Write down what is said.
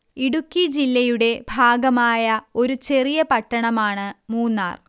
ഇടുക്കി ജില്ലയുടെ ഭാഗമായ ഒരു ചെറിയ പട്ടണമാണ് മൂന്നാർ